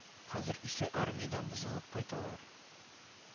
Хәзер исә армиядән бозылып кайталар